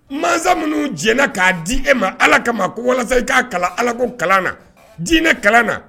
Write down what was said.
Mansa minnu jna k'a dinɛ ma ala kama ko walasa' kalan ala ko kalan na diinɛ kalan na